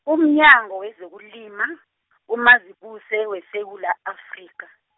umnyango wezokulima, uMazibuse weSewula Afrika.